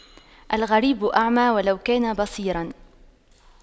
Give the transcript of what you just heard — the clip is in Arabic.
الغريب أعمى ولو كان بصيراً